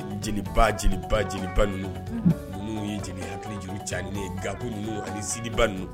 Jeliba jeli jeliba ninnu ninnu